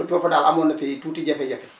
kon foofu daal amoon na kay tuuti jafe-jafe